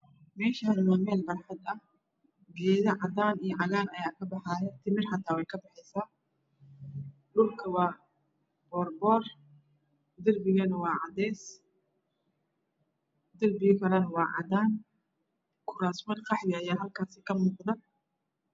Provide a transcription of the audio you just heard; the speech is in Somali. Mesha waa Mel baxad ah geedo cadan iyo cagar ayaa kabaxayo timit xata weykabaxeysaa dhulkawaa borborderbiganawacades derbigakalana waa cadan kurasman qaxwi ayaa halkas kamuqdo